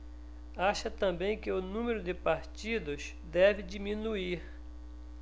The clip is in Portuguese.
acha também que o número de partidos deve diminuir